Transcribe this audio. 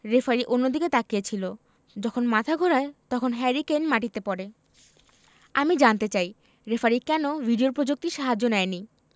referee অন্যদিকে তাকিয়ে ছিল যখন মাথা ঘোরায় তখন হ্যারি কেইন মাটিতে পড়ে আমি জানতে চাই রেফারি কেন ভিডিও প্রযুক্তির সাহায্য নেয়নি